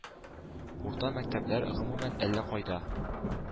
Урта мәктәпләр, гомумән, әллә кайда.